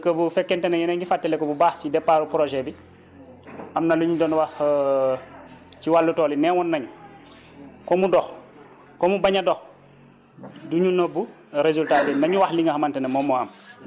donc bu fekkente ne yéen a ngi fàttaliku bu baax si départ projet bi am na luñ doon wax ci wàllu tool yi nee woon nañ que mu dox que mu bañ a dox du ñu nëbb résultats yi nañu wax li nga xamante nemoom moo am